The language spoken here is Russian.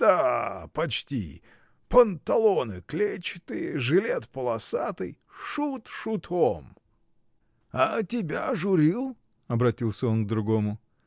— Да, почти: панталоны клетчатые, жилет полосатый — шут шутом! — А тебя журил? — обратился он к другому.